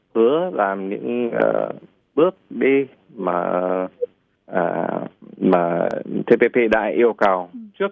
hứa làm những ờ bước đi mờ ờ ờ mờ tê pê pê đã yêu cầu trước